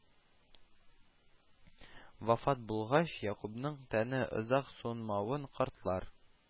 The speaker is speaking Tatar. Вафат булгач, Якубның тәне озак суынмавын картлар